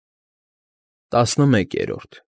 ՏԱՍՆՄԵԿԵՐՈՐԴ։